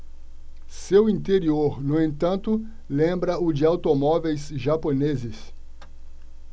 seu interior no entanto lembra o de automóveis japoneses